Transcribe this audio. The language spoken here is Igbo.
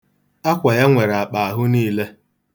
Akwa ya nwere akpa ebe niile.